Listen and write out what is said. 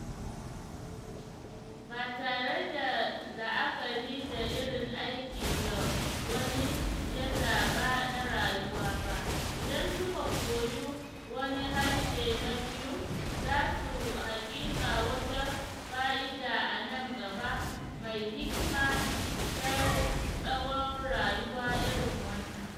Ba tare da la’akari da irin aiki da wani ya zaɓa na rayuwa ba, idan suka koyi wani harshe na biyu, za su haƙiƙa wata fa’ida a nan gaba mai hikima ta tsawon rayuwa irin wannan: